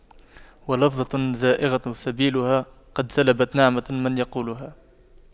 ولفظة زائغة سبيلها قد سلبت نعمة من يقولها